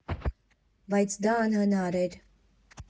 Բայց դա անհնար էր։